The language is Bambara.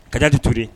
Ka daditobi